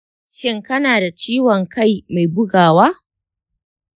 shin kana da ciwon kai mai bugawa?